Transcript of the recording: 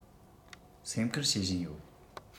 སེམས ཁུར བྱེད བཞིན ཡོད